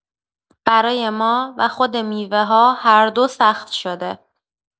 برای ما و خود میوه‌ها هر دو سخت شده.